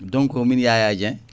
donc komin Yaya Dieng